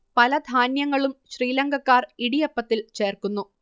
പല ധാന്യങ്ങളും ശ്രീലങ്കക്കാർ ഇടിയപ്പത്തിൽ ചേർക്കുന്നു